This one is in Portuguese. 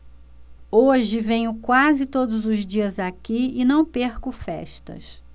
hoje venho quase todos os dias aqui e não perco festas